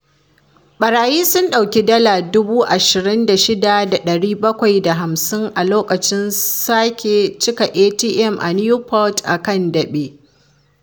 Ɓarayi sun ɗauki dala 26,750 a lokacin sake cika ATM a Newport a kan Daɓe